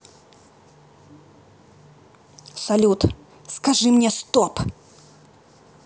салют скажи мне стоп